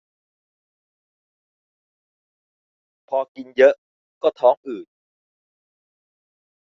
พอกินเยอะก็ท้องอืด